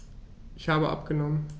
Ich habe abgenommen.